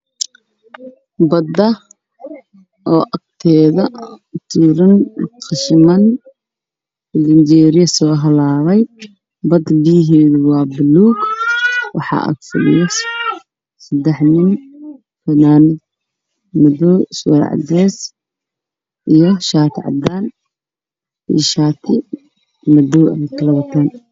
Bada oo agtiida tuuran yihiin qashimaan